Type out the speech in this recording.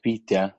Wicipedia